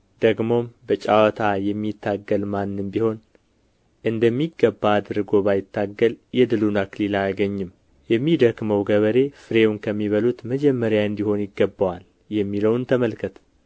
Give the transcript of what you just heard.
ደግሞም በጨዋታ የሚታገል ማንም ቢሆን እንደሚገባ አድርጎ ባይታገል የድሉን አክሊል አያገኝም የሚደክመው ገበሬ ፍሬውን ከሚበሉት መጀመሪያ እንዲሆን ይገባዋል የምለውን ተመልከት